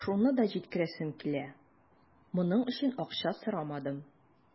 Шуны да җиткерәсем килә: моның өчен акча сорамадым.